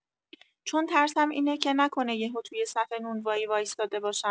چون ترسم اینه که نکنه یهو توی صف نونوایی وایساده باشم